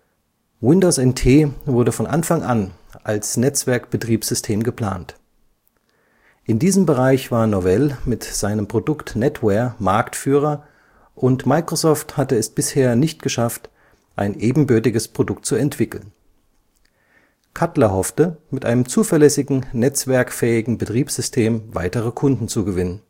Windows NT wurde von Anfang an als Netzwerkbetriebssystem geplant. In diesem Bereich war Novell mit seinem Produkt NetWare Marktführer und Microsoft hatte es bisher nicht geschafft, ein ebenbürtiges Produkt zu entwickeln. Cutler hoffte, mit einem zuverlässigen netzwerkfähigen Betriebssystem weitere Kunden zu gewinnen